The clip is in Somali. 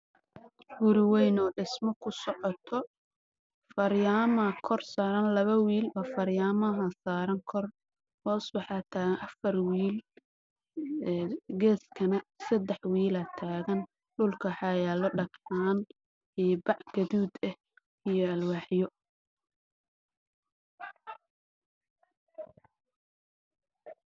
Waa guri weyn oo dhismo ku socdo